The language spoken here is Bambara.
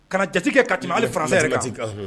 Kana jati kɛ, ka tɛmɛ ali français yɛrɛ kan